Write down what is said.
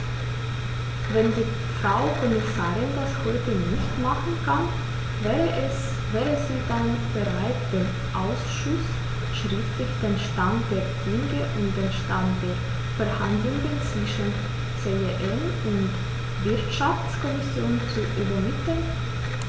Wenn die Frau Kommissarin das heute nicht machen kann, wäre sie dann bereit, dem Ausschuss schriftlich den Stand der Dinge und den Stand der Verhandlungen zwischen CEN und Wirtschaftskommission zu übermitteln?